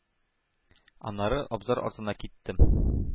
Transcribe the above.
Аннары абзар артына киттем.